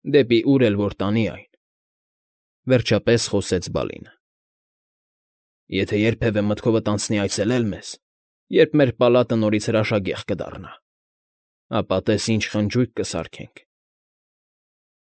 Դեպի ուր էլ որ տանի այն,֊ վերջապես խոսեց Բալինը։֊ Եթե երբևէ մտքովդ անցնի այցելել մեզ, երբ մեր պալատը նորից հրաշագեղ կդառնա, ապա տես ի՜նչ խնջույք կսարքենք… ֊